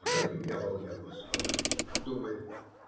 "Прогневал я господа, думает,